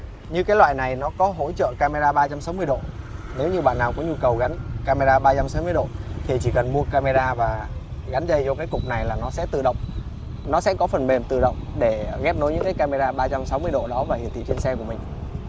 như cái loại này nó có hỗ trợ cam mê ra ba trăm sáu mươi độ nếu như bạn nào có nhu cầu gắn cam mê ra ba trăm sáu mươi độ thì chỉ cần mua cam mê ra và gắn dây vô cái cục này là nó sẽ tự động nó sẽ có phần mềm tự động để ghép nối những cái cam mê ra ba trăm sáu mươi độ đó và hiển thị trên xe của mình